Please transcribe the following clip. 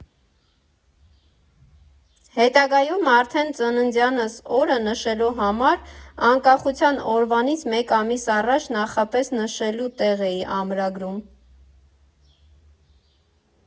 Հետագայում արդեն ծննդյանս օրը նշելու համար Անկախության օրվանից մեկ ամիս առաջ նախապես նշելու տեղ էի ամրագրում։